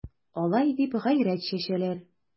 Алай дип гайрәт чәчәләр...